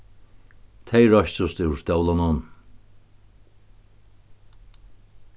tey reistust úr stólunum